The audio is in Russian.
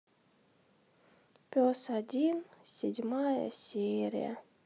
пес один седьмая серия